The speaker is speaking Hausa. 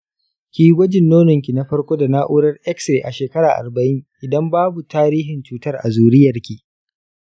kiyi gwajin nononki na farko da na'urar x-ray a shekara arba'in idan babu tarihin cutar a zuriyanki.